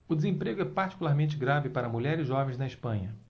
o desemprego é particularmente grave para mulheres jovens na espanha